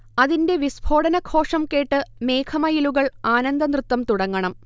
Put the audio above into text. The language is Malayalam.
അതിന്റെ വിസ്ഫോടനഘോഷം കേട്ട് മേഘമയിലുകൾ ആനന്ദനൃത്തം തുടങ്ങണം